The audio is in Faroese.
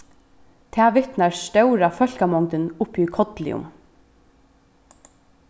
tað vitnar stóra fólkamongdin uppi í kolli um